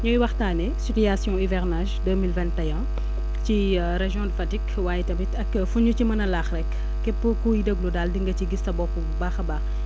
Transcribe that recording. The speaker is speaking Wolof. ñuy waxtaanee situation hivernage deux mille vingt et un ci région de Fatick waaye tamit ak fu ñu mën a laax rek képp kuy déglu daal di nga ci gis sa bopp bu baax a baax